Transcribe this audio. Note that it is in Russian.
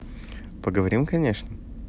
поговорим конечно